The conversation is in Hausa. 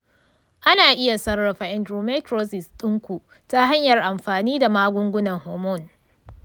ana iya sarrafa endometriosis ɗinku ta hanyar amfani da magungunan hormone.